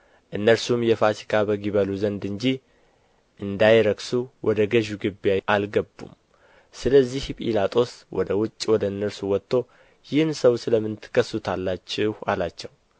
እነርሱም የፋሲካ በግ ይበሉ ዘንድ እንጂ እንዳይረክሱ ወደ ገዡ ግቢ አልገቡም ስለዚህ ጲላጦስ ወደ ውጭ ወደ እነርሱ ወጥቶ ይህን ሰው ስለ ምን ትከሱታላችሁ አላቸው